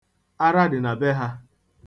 Ara dị na be ha.